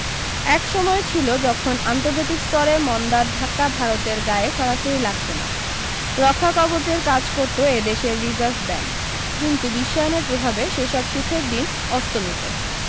এক সময় ছিল যখন আন্তর্জাতিক স্তরে মন্দার ধাক্কা ভারতের গায়ে সরাসরি লাগত না রক্ষাকবচের কাজ করত এ দেশের রিজার্ভ ব্যাংক কিন্ত বিশ্বায়নের প্রভাবে সে সব সুখের দিন অস্তমিত